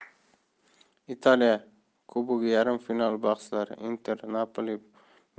italiya kubogiyarim final bahslari inter napoli milan